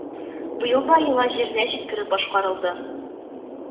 Быел да йола җиренә җиткереп башкарылды